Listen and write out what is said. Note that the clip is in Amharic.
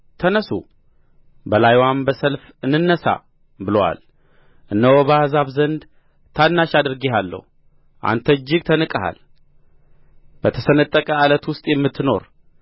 ተነሡ በላይዋም በሰልፍ እንነሣ ብሎአል እነሆ በአሕዛብ ዘንድ ታናሽ አድርጌሃለሁ አንተ እጅግ ተንቀሃል በተሰነጠቀ ዓለት ውስጥ የምትኖር